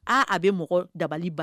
Aa a be mɔgɔ dabali ban.